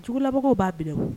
Cogo labagaww b'a bɛn